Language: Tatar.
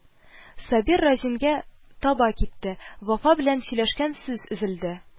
Сабир Разингә таба китте, Вафа белән сөйләшкән сүз өзелде